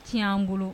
Tiɲɛ y'an bolo